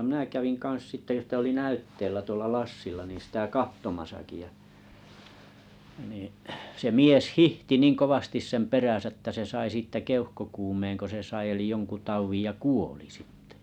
minä kävin kanssa sitten sitä oli näytteillä tuolla Lassilla niin sitä katsomassakin ja niin se mies hiihti niin kovasti sen perässä että se sai siitä keuhkokuumeenko se sai eli jonkun taudin ja kuoli sitten